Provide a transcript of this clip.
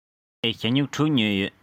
ངས ཞྭ སྨྱུག དྲུག ཉོས ཡོད